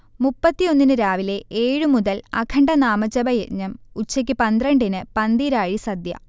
മുപ്പത്തിയൊന്നിന് രാവിലെ ഏഴുമുതൽ അഖണ്ഡ നാമജപയജ്ഞം, ഉച്ചയ്ക്ക് പന്ത്രണ്ടിന് പന്തീരാഴി സദ്യ